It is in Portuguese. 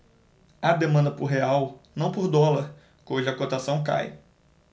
há demanda por real não por dólar cuja cotação cai